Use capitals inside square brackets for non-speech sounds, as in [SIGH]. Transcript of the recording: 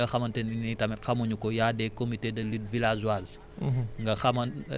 pour [HESITATION] dëkk àll yi nga xamante ne ni tamit xamuñu ko y a des comités de lutte villageoises